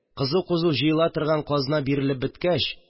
Кызу-кызу җыела торган казна бирелеп беткәч